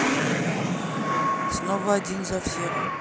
снова один за всех